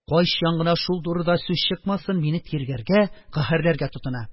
Кайчан гына шул турыда сүз чыкмасын, мине тиргәргә, каһәрләргә тотына.